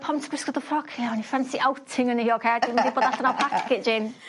...pam ti gwisgo dy ffrog chi? A o'n i fansi outing yn 'i oce dw ddim 'di bod allan o packaging.